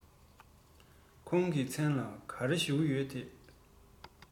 ཁོང གི མཚན ལ ག རེ ཞུ གི ཡོད རེད